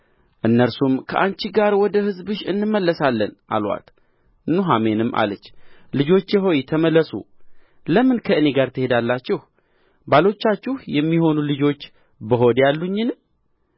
እነርሱም ከአንቺ ጋር ወደ ሕዝብሽ እንመለሳለን አሉአት ኑኃሚንም አለች ልጆቼ ሆይ ተመለሱ ለምን ከእኔ ጋር ትሄዳላችሁ ባሎቻችሁ የሚሆኑ ልጆች በሆዴ አሉኝን